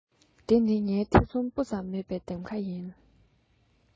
འདི ནི ངའི ཐེ ཚོ སྤུ ཙམ མེད པའི འདེམས ཁ ཡིན